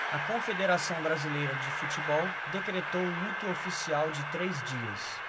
a confederação brasileira de futebol decretou luto oficial de três dias